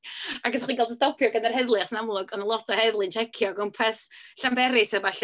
Ac os chdi'n cael dy stopio gan yr heddlu, achos yn amlwg oedd 'na lot o heddlu'n tsecio o gwmpas Llanberis a ballu.